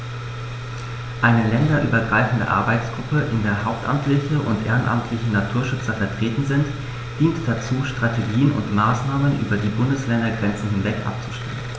Eine länderübergreifende Arbeitsgruppe, in der hauptamtliche und ehrenamtliche Naturschützer vertreten sind, dient dazu, Strategien und Maßnahmen über die Bundesländergrenzen hinweg abzustimmen.